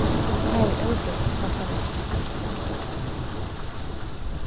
tað er ógreitt hvat tað merkir